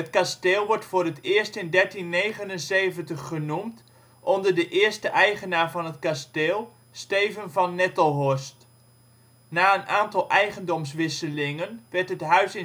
kasteel wordt voor het eerst in 1379 genoemd onder de eerste eigenaar van het kasteel, Steven van Nettelhorst. Na een aantal eigendomswisselingen, werd het huis